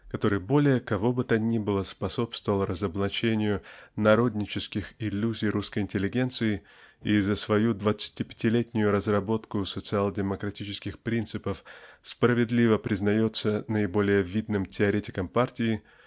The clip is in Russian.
который более кого бы то ни было способствовал разоблачению народнических иллюзий русской интеллигенции и за свою двадцатипятилетнюю разработку социал- демократических принципов справедливо признается наиболее видным теоретиком партии